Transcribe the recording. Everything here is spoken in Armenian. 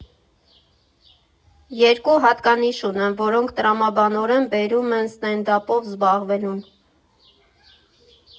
Երկու հատկանիշ ունեմ, որոնք տրամաբանորեն բերում են ստենդափով զբաղվելուն։